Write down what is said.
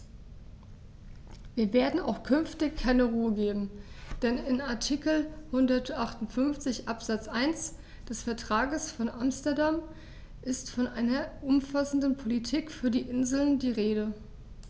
Wir werden auch künftig keine Ruhe geben, denn in Artikel 158 Absatz 1 des Vertrages von Amsterdam ist von einer umfassenden Politik für die Inseln die Rede.